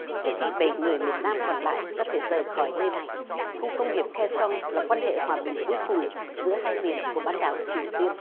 trước khi bẩy người miền nam còn lại có thể rời khỏi nơi này khu công nghiệp kê xong là quan hệ hòa bình cuối cùng giữa hai miền của bán đảo triều tiên